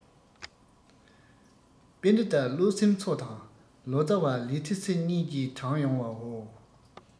པཎྡི ཏ བློ སེམས འཚོ དང ལོ ཙ བ ལི ཐེ སི གཉིས ཀྱིས དྲངས ཡོང བའོ